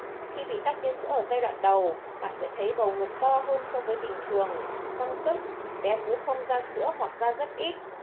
khi bị tắc tia sữa ở giai đoạn đầu bạn sẽ thấy bầu ngực to hơn so với bình thường căng tức bé bú không ra sữa hoặc ra rất ít